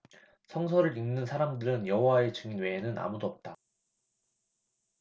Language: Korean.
성서를 읽는 사람은 여호와의 증인 외에는 아무도 없다